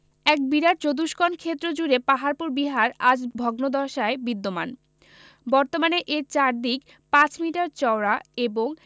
এক বিরাট চতুষ্কোণ ক্ষেত্র জুড়ে পাহাড়পুর বিহার আজ ভগ্নদশায় বিদ্যমান বর্তমানে এর চারদিক ৫ মিটার চওড়া এবং